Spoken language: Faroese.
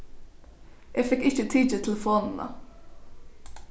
eg fekk ikki tikið telefonina